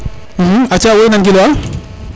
aca wo i nan gil wa